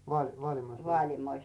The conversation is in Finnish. - Vaalimoissa vai